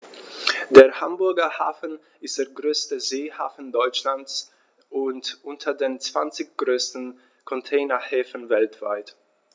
Der Hamburger Hafen ist der größte Seehafen Deutschlands und unter den zwanzig größten Containerhäfen weltweit.